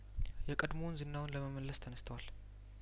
የቀድሞውን ዝናውን ለመመለስ ተነስተዋል